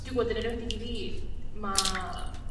Dwi 'bod yn enwedig i fi ma'